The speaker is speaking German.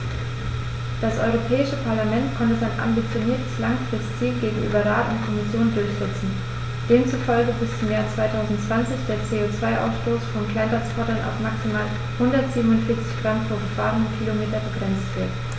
Das Europäische Parlament konnte sein ambitioniertes Langfristziel gegenüber Rat und Kommission durchsetzen, demzufolge bis zum Jahr 2020 der CO2-Ausstoß von Kleinsttransportern auf maximal 147 Gramm pro gefahrenem Kilometer begrenzt wird.